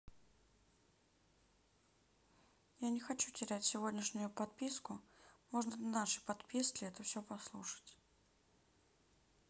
я не хочу терять сегодняшнюю подписку можно на нашей подписке это все послушать